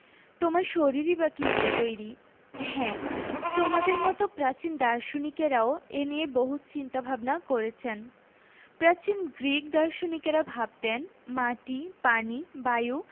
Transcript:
তোমার শরীরই বা কী দিয়ে তৈরি হ্যাঁ তোমাদের মতো প্রাচীন দার্শনিকেরাও এ নিয়ে বহু চিন্তা ভাবনা করেছেন প্রাচীন গ্রিক দার্শনিকেরা ভাবতেন মাটি পানি বায়ু